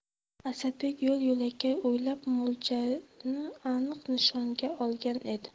asadbek yo'l yo'lakay o'ylab mo'ljalni aniq nishonga olgan edi